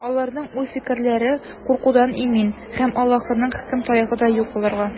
Аларның уй-фикерләре куркудан имин, һәм Аллаһының хөкем таягы да юк аларга.